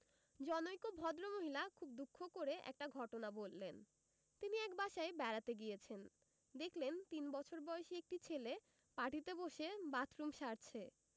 জনৈক ভদ্রমহিলা খুব দুঃখ করে একটা ঘটনা বললেন তিনি এক বাসায় বেড়াতে গিয়েছেন দেখলেন তিন বছর বয়েসী একটি ছেলে পাটিতে বসে বাথরুম সারছে